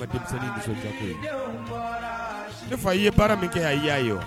Ja ne fa a ye baara min kɛ' y'a ye